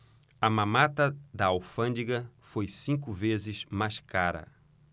a mamata da alfândega foi cinco vezes mais cara